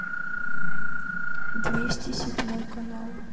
двести седьмой канал